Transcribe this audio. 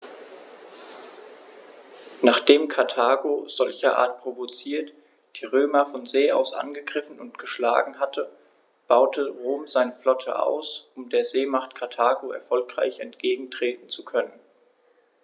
Nachdem Karthago, solcherart provoziert, die Römer von See aus angegriffen und geschlagen hatte, baute Rom seine Flotte aus, um der Seemacht Karthago erfolgreich entgegentreten zu können.